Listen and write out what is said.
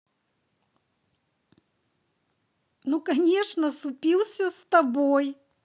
ну конечно супился с тобой